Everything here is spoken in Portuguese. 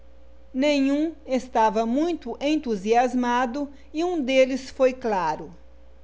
nenhum estava muito entusiasmado e um deles foi claro